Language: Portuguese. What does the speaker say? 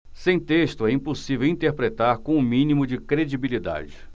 sem texto é impossível interpretar com o mínimo de credibilidade